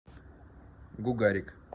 гугарик